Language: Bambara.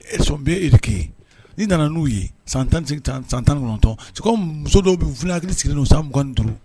Elles sont belliqueuses n'i nana n'u ye san 18 san 19 c'est comme muso dɔw tun fana hakili sigilen don san mugan ni duuru.